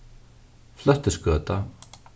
fløttisgøta